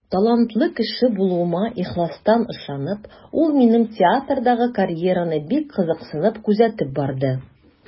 Талантлы кеше булуыма ихластан ышанып, ул минем театрдагы карьераны бик кызыксынып күзәтеп барды.